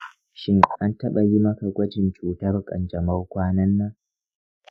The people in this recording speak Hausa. shin an taɓa yi maka gwajin cutar ƙanjamau kwanan nan?